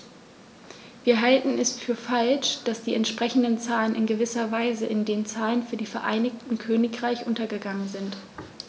Wir halten es für falsch, dass die entsprechenden Zahlen in gewisser Weise in den Zahlen für das Vereinigte Königreich untergegangen sind.